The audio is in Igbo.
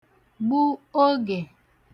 gbu ogè